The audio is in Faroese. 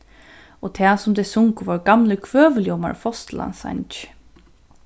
og tað sum tey sungu vóru gamlir kvøðuljómar og fosturlandssangir